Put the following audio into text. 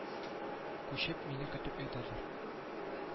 Күчеп, мине көтеп ятадыр